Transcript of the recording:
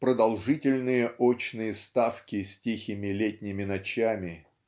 продолжительные очные ставки с тихими летними ночами